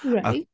Right.